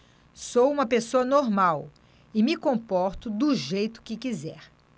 sou homossexual e me comporto do jeito que quiser